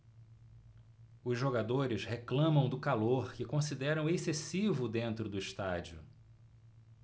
os jogadores reclamam do calor que consideram excessivo dentro do estádio